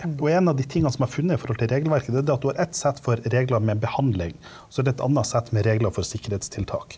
og en av de tingene som jeg har funnet i forhold til regelverket det er det at du har ett sett for regler med behandling, så er det et anna sett med regler for sikkerhetstiltak.